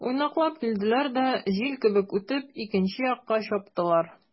Уйнаклап килделәр дә, җил кебек үтеп, икенче якка чаптылар.